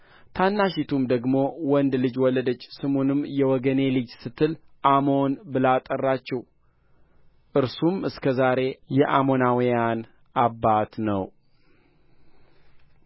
ታናሺቱም ደግሞ ወንድ ልጅ ወለደች ስሙንም የወገኔ ልጅ ስትል አሞን ብላ ጠራችው እርሱም እስከ ዛሬ የአሞናውያን አባት ነው